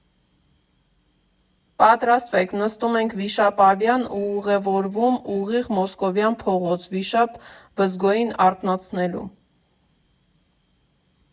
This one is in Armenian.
Պատրաստվեք, նստում ենք Վիշապ֊Ավիան ու ուղևորվում ուղիղ Մոսկովյան փողոց՝ վիշապ Վզգոյին արթնացնելու։